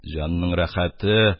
Җанның рәхәте,